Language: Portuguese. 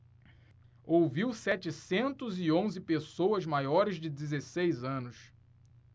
ouviu setecentos e onze pessoas maiores de dezesseis anos